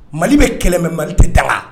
Mali bɛ kɛlɛmɛ mali tɛ daga la